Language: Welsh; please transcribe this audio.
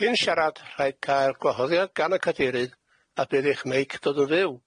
Cyn siarad rhaid cael gwahoddiad gan y cadeirydd a bydd eich meic dod yn fyw.